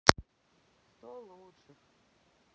сто лучших